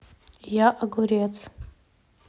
я огурец